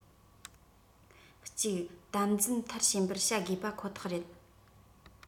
གཅིག དམ འཛིན མཐར ཕྱིན པར བྱ དགོས པ ཁོ ཐག རེད